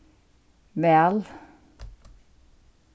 væl